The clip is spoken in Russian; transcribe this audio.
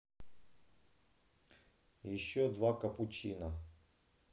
еще два капучино